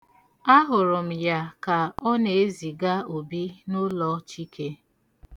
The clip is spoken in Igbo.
Ahụrụ m ya ka ọ na-eziga Obi n'ụlọ Chike.